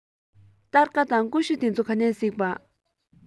སྟར ཁ དང ཀུ ཤུ དེ ཚོ ག ནས གཟིགས པ